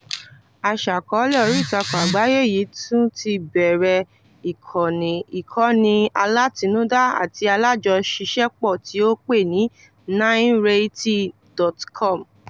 Aṣàkọọ́lẹ̀ oríìtakùn àgbáyé yìí tún ti bẹ̀rẹ̀ ìkànnì ìkọ́ni alátinúdá àti alájọṣiṣẹ́pọ̀ tí ó pè ní 9rayti.com.